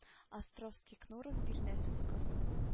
Островский кнуров бирнәсез кыз